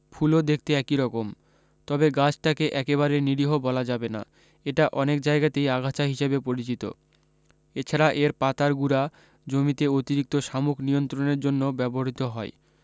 ফুলও দেখতে একিরকম তবে গাছটাকে একেবারে নিরীহ বলা যাবে না এটা অনেক জায়গাতেই আগাছা হিসেবে পরিচিত এছাড়া এর পাতার গুড়া জমিতে অতিরিক্ত শামুক নিয়ন্ত্রণের জন্য ব্যবহৃত হয়